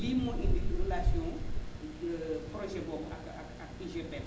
lii moo indi relation projet boobu ak ak ak UGPM